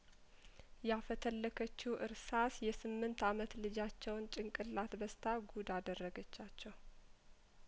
ያፈተለከችው እርሳስ የስምንት አመት ልጃቸውን ጭንቅላት በስታ ጉድ አደረገ ቻቸው